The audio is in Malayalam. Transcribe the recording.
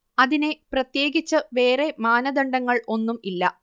അതിനെ പ്രത്യേകിച്ച് വേറേ മാനദണ്ഡങ്ങൾ ഒന്നും ഇല്ല